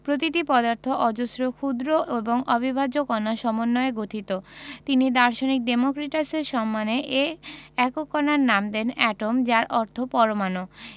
প্রতিটি পদার্থ অজস্র ক্ষুদ্র এবং অবিভাজ্য কণার সমন্বয়ে গঠিত তিনি দার্শনিক ডেমোক্রিটাসের সম্মানে এ একক কণার নাম দেন এটম যার অর্থ পরমাণু